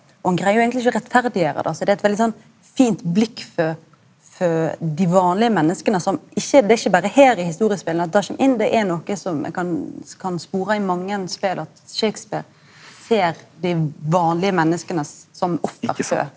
og han greier jo eigentleg ikkje å rettferdiggjere det så det er eit veldig sånn fint blikk for for dei vanlege menneska som ikkje det er ikkje berre her i historiespela at det kjem inn det er noko som me kan kan spore i mange spel at Shakespeare ser dei vanlege menneska som offer.